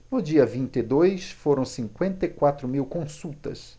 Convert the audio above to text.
no dia vinte e dois foram cinquenta e quatro mil consultas